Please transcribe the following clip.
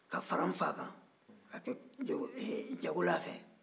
ka fara n fa kan ka kɛ jago jago l'a fɛ